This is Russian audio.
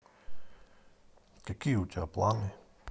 какие у тебя планы